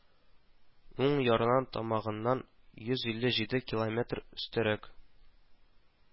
Уң ярына тамагыннан йөз илле җиде километр өстәрәк